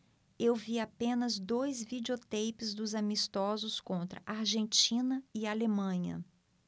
eu vi apenas dois videoteipes dos amistosos contra argentina e alemanha